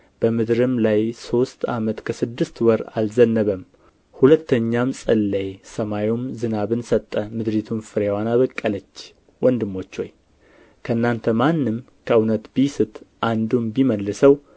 በምድርም ላይ ሦስት ዓመት ከስድስት ወር አልዘነበም ሁለተኛም ጸለየ ሰማዩም ዝናብን ሰጠ ምድሪቱም ፍሬዋን አበቀለች ወንድሞቼ ሆይ ከእናንተ ማንም ከእውነት ቢስት አንዱም ቢመልሰው